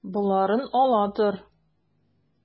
Боларын ала тор.